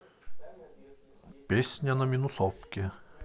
песня на минусовке